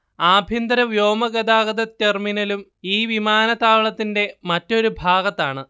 ആഭ്യന്തര വ്യോമഗതാഗത ടെർമിനലും ഈ വിമാനത്താവളത്തിന്റെ മറ്റൊരു ഭാഗത്താണ്